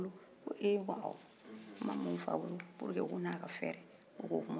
n ma mɔ n fa bolo pour que n tun n'a ka fɛrɛ an k'o kuma sugu ninnu kɛ o tan yɛrɛ tun t'a bolo